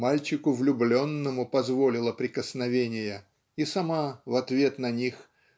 мальчику влюбленному позволила прикосновения и сама в ответ на них